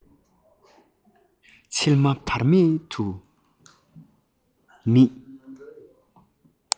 མཆིལ མ བར མེད དུ མིད